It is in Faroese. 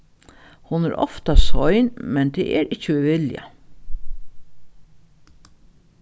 hon er ofta sein men tað er ikki við vilja